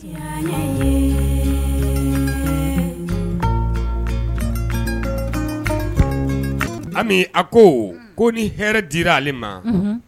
Ami a ko ko ni hɛrɛ dira ale ma